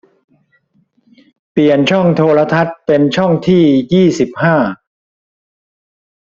เปลี่ยนช่องโทรทัศน์เป็นช่องที่ยี่สิบห้า